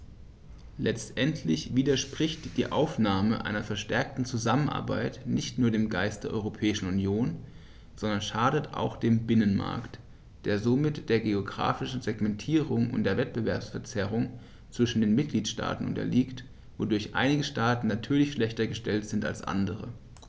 Letztendlich widerspricht die Aufnahme einer verstärkten Zusammenarbeit nicht nur dem Geist der Europäischen Union, sondern schadet auch dem Binnenmarkt, der somit der geographischen Segmentierung und der Wettbewerbsverzerrung zwischen den Mitgliedstaaten unterliegt, wodurch einige Staaten natürlich schlechter gestellt sind als andere.